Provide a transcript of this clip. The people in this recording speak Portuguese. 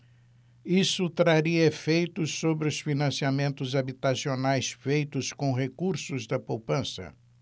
isso traria efeitos sobre os financiamentos habitacionais feitos com recursos da poupança